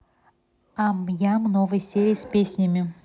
ам ням новые серии с песнями